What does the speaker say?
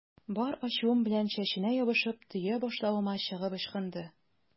Бар ачуым белән чәченә ябышып, төя башлавыма чыгып ычкынды.